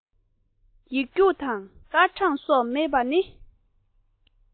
ཡིག རྒྱུགས སྐར གྲངས སོགས མེད པ ནི